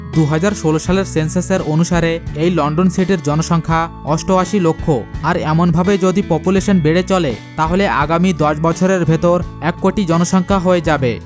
২০১৬ সালের সেনসাস এর অনুসারে এ লন্ডন স্টেট এর জনসংখ্যা ৮৮ লক্ষ আর এমন ভাবে যদি পপুলেশন বেড়ে চলে তাহলে আগামী ১০ বছরের ভেতর ১ কোটি জনসংখ্যা হয়ে যাবে